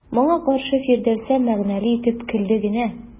Моңа каршы Фирдәүсә мәгънәле итеп көлде генә.